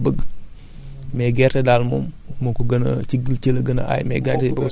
phosphate si gerte la gën a aay mais gàncax yépp a ko soxla gàncax yépp a ko bëgg